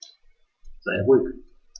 Sei ruhig.